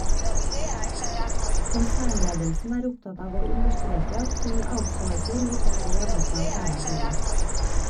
Konsernledelsen er opptatt av å understreke at full outsourcing ikke er det eneste alternativet.